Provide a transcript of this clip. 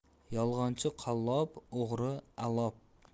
yolg'onchi qallop o'g'ri allop